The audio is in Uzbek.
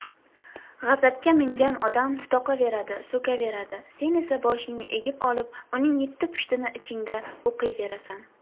g'azabga mingan odam tutoqaveradi so'kaveradi sen esa boshingni egib olib uning yetti pushtini ichingda o'qiyverasan